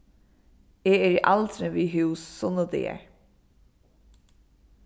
eg eri aldrin við hús sunnudagar